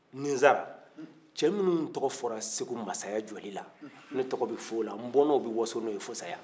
ni sara cɛ minnu tɔgɔ fɔra segu mansaya jɔlila ne tɔgɔ bɛ f'o la n bɔnnaw bɛ waso n'o fo saya